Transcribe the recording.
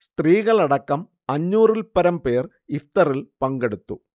സ്ത്രീകളടക്കം അഞ്ഞൂറിൽപ്പരം പേർ ഇഫ്തറില്‍ പങ്കെടുത്തു